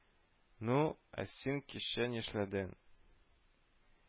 Ну, ә син кичә нишләдең